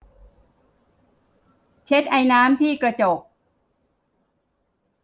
เช็ดไอน้ำที่กระจก